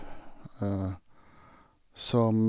Som...